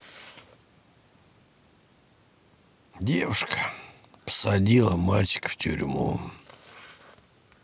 девушка посадила мальчика в тюрьму